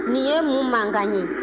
nin ye mun mankan ye